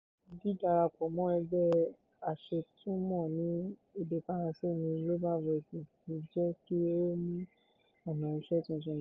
Dīdarapọ̀ mọ́ ẹgbẹ́ aṣètumọ̀ ní èdè Faransé ní Global Voices ti jẹ́ kí ó mú ọ̀nà ìṣe tuntun gùn.